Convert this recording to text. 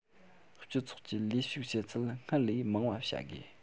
སྤྱི ཚོགས ཀྱི ལས ཞུགས བྱེད ཚད སྔར ལས མང བ བྱ དགོས